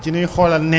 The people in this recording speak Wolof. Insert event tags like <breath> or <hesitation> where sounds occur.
<hesitation> <breath>